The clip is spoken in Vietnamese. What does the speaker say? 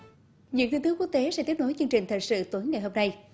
những tin tức quốc tế sẽ tiếp nối chương trình thời sự tối ngày hôm nay